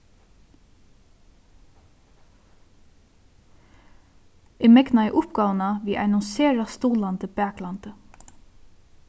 eg megnaði uppgávuna við einum sera stuðlandi baklandi